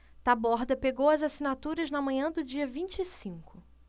taborda pegou as assinaturas na manhã do dia vinte e cinco